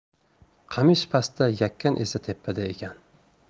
qamish pastda yakan esa tepada ekan